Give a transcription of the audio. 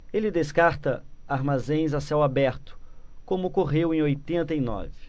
ele descarta armazéns a céu aberto como ocorreu em oitenta e nove